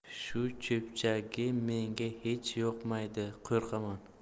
shu cho'pchagi menga hech yoqmaydi qo'rqaman